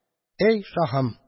«әй шаһым!